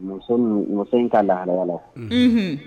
Muso muso in ka laharayala